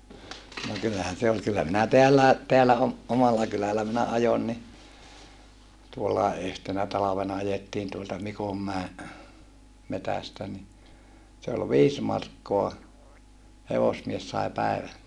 no kyllähän se oli kyllä minä täälläkin täällä - omalla kylällä minä ajoin niin tuollakin yhtenä talvena ajettiin tuolta Mikonmäen metsästä niin se oli viisi markkaa hevosmies sai päivälle